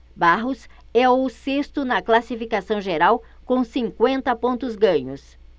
barros é o sexto na classificação geral com cinquenta pontos ganhos